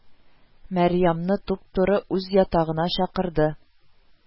Мәрьямне туп-туры үз ятагына чакырды